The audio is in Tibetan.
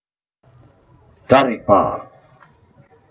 སྒྲ རིག པ